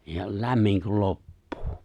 ja lämmin kun loppuu